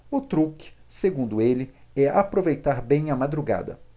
o truque segundo ele é aproveitar bem a madrugada